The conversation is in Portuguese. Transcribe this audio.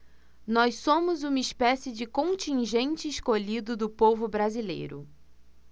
nós somos uma espécie de contingente escolhido do povo brasileiro